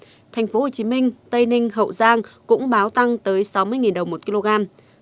thành phố hồ chí minh tây ninh hậu giang cũng báo tăng tới sáu mươi nghìn đồng một ki lô gam